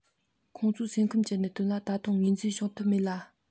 ཁོ ཚོའི སེམས ཁམས ཀྱི གནད དོན ལ ད དུང ངོས འཛིན བྱུང ཐུབ མེད ལ